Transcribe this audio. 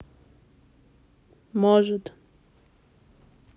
может